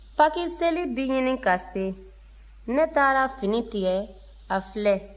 pakiseli bɛ ɲini ka se ne taara fini tigɛ a filɛ